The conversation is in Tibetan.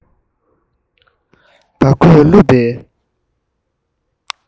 འབག གོས བཀླུབས པའི